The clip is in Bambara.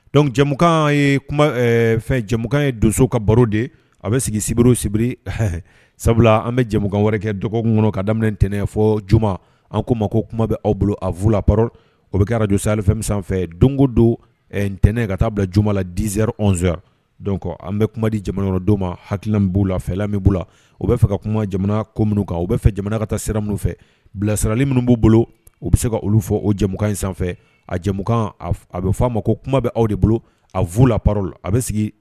Dɔnkukankan ye donso ka baro de a bɛ sigi sibiribiri sabula an bɛ jɛmukan wɛrɛ kɛ dɔgɔkun kɔnɔ ka daminɛ ntɛnɛn fɔ juma an ko ma ko kuma bɛ aw bolo a fuula o bɛ kɛra don sa fɛn sanfɛ dongo don ntɛnɛn ka taa bila juma la dizz an bɛ kuma di jamana don ma hakiliki b'u lafɛ la o bɛ fɛ ka kuma jamana ko minnu kan u bɛ fɛ jamana ka taa sira minnu fɛ bilasirali minnu b'u bolo u bɛ se ka olu fɔ o jɛkan in sanfɛ akan a bɛ f'a ma ko kuma bɛ aw de bolo a fu la a bɛ sigi